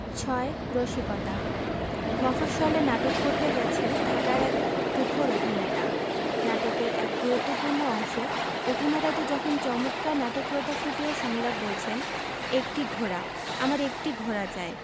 ০৬ রসিকতা মফশ্বলে নাটক করতে গেছে ঢাকার এক তুখোর অভিনেতা নাটকের এক গুরুত্তপূ্র্ণ অংশে অভিনেতাটি যখন চমৎকার নাটকীয়তা ফুটিয়ে সংলাপ বলছেন একটি ঘোড়া আমার একটি ঘোড়া চাই